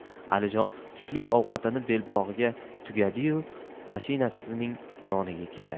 alijon tushlik ovqatini belbog'iga tugadiyu mashinasining yoniga ketadi